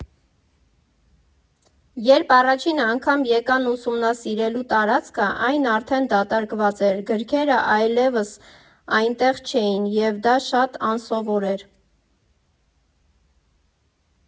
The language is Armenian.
Երբ առաջին անգամ եկան ուսումնասիրելու տարածքը այն արդեն դատարկված էր, գրքերը այլևս այնտեղ չէին և դա շատ անսովոր էր։